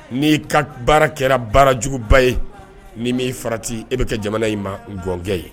N'i ka baara kɛra baarajuguba ye ni'i farati e bɛ kɛ jamana in ma gajɛ ye